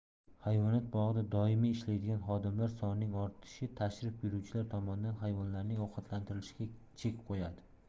hayvonot bog'ida doimiy ishlaydigan xodimlar sonining ortishi tashrif buyuruvchilar tomonidan hayvonlarning ovqatlantirilishiga chek qo'yadi